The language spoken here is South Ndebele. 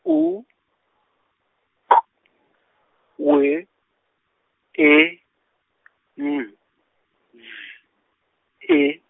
U, K, W, E , N, Z, E.